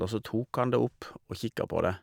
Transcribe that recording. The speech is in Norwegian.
Og så tok han det opp og kikka på det.